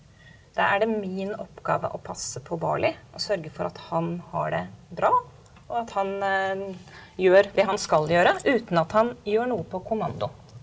da er det min oppgave å passe på Barley og sørge for at han har det bra og at han gjør det han skal gjøre uten at han gjør noe på kommando.